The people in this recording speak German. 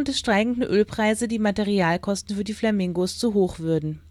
steigenden Ölpreise die Materialkosten für die Flamingos zu hoch würden